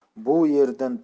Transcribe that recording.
bu yerdan to